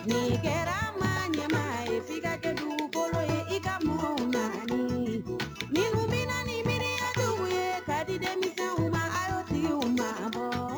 Nci kɛra maa ɲɛ ye i ka kɛ dugukolo ye i ka mun ma minumina ni mikun ye ka di denmisɛnw ma a sigi ma